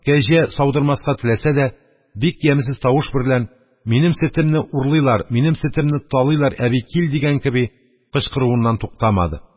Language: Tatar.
Кәҗә, саудырмаска теләсә дә, бик ямьсез тавыш берлән: «Минем сөтемне урлыйлар, минем сөтемне талыйлар, әби, кил!» – дигән кеби, кычкыруыннан туктамады.